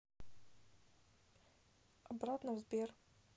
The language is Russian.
обратно в сбер